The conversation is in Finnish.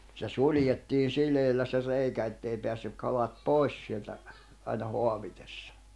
se suljettiin sileillä se reikä että ei päässyt kalat pois sieltä aina haavitessa